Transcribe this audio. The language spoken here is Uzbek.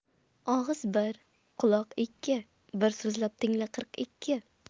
og'iz bir quloq ikki bir so'zlab tingla qirq ikki